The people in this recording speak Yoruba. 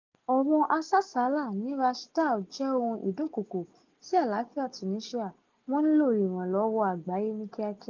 ọ̀ràn asásàálà ní ras jdir jẹ́ ohun ìdúnkokò sí àlàáfíà tunisia – wọ́n nílò ìrànlọ́wọ́ àgbáyé ní kíákíá.